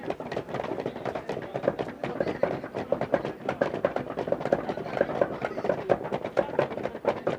Maa